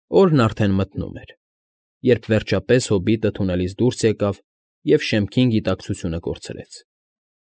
Օրն արդեն մթնում էր, երբ, վերջապես, հոբիտը թունելից դուրս եկավ և «շեմքին» գիտակցությունը կորցրեց։